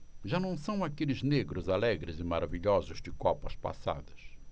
já não são aqueles negros alegres e maravilhosos de copas passadas